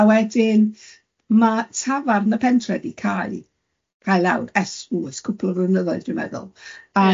A wedyn ma' tafarn y pentre di cau, cau lawr, ers, w, ers cwpwl o flynyddoedd dwi'n meddwl.